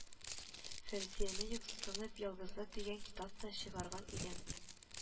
Фәүзияне юксынып, Ялгызлык дигән китап та чыгарган идем